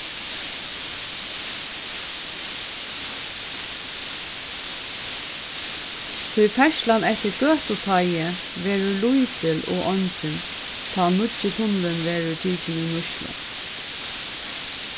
tí ferðslan eftir gøtuteigi verður lítil og eingin tá nýggi tunnilin verður tikin í nýtslu